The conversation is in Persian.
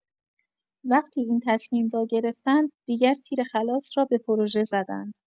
وقتی این تصمیم را گرفتند، دیگر تیر خلاص را به پروژه زدند.